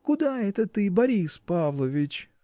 — Куда это ты, Борис Павлович?